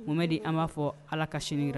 Momɛ di an b'a fɔ ala ka sinira